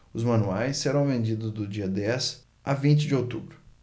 os manuais serão vendidos do dia dez a vinte de outubro